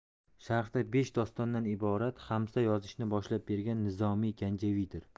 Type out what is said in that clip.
sharqda besh dostondan iborat xamsa yozishni boshlab bergan nizomiy ganjaviydir